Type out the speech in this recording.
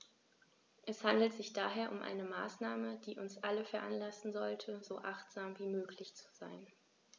Es handelt sich daher um eine Maßnahme, die uns alle veranlassen sollte, so achtsam wie möglich zu sein.